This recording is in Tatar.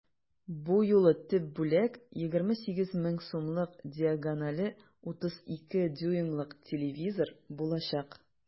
Бу юлы төп бүләк 28 мең сумлык диагонале 32 дюймлык телевизор булачак.